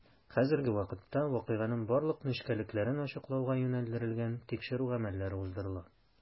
Хәзерге вакытта вакыйганың барлык нечкәлекләрен ачыклауга юнәлдерелгән тикшерү гамәлләре уздырыла.